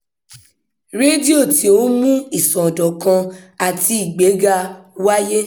Rédíò tí ó ń mú ìsọdọ̀kan àti ìgbéga wáyé